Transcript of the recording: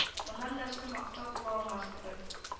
Моннан да зур мактау була алмас кебек